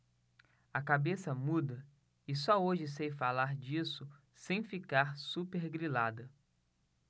a cabeça muda e só hoje sei falar disso sem ficar supergrilada